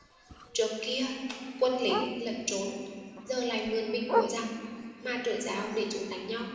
trước kia quân lính lẩn trốn giờ lại mượn binh của giặc mà trở giáo để chúng đánh nhau